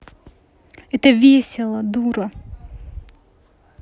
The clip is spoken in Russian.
это весело дура